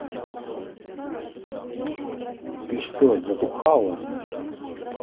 ты что затухало